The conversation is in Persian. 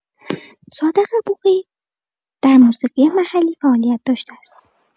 صادق بوقی در موسیقی محلی فعالیت داشته است.